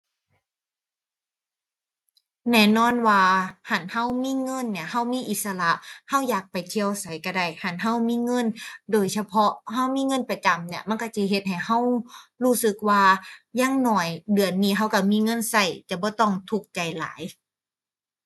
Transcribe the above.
แน่นอนว่าหั้นเรามีเงินเนี่ย เรามีอิสระ เราอยากไปเที่ยวไสเราได้ หั้นเรามีเงิน โดยเฉพาะเรามีเงินประจำเนี่ยมันเราจิเฮ็ดให้เรารู้สึกว่าอย่างน้อยเดือนนี้เราเรามีเงินเรา จะบ่ต้องทุกข์ใจหลาย